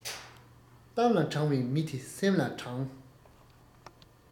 གཏམ ལ དྲང བའི མི དེ སེམས ལ དྲང